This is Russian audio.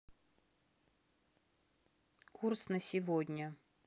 курс на сегодня